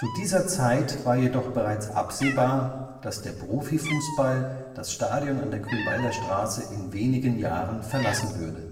dieser Zeit war jedoch bereits absehbar, dass der Profifußball das Stadion an der Grünwalder Straße in wenigen Jahren verlassen würde